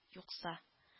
Юкса